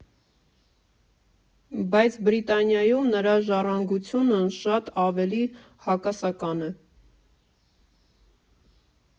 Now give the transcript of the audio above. Բայց Բրիտանիայում նրա ժառանգությունը շատ ավելի հակասական է։